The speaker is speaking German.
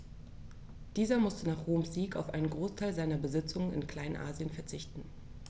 Dieser musste nach Roms Sieg auf einen Großteil seiner Besitzungen in Kleinasien verzichten.